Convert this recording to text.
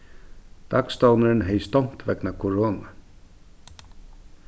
dagstovnurin hevði stongt vegna koronu